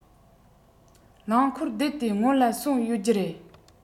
རླངས འཁོར བསྡད དེ སྔོན ལ སོང ཡོད རྒྱུ རེད